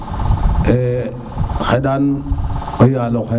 xendan o yalo xe